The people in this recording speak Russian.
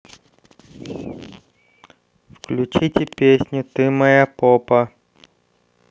включите песню ты моя попа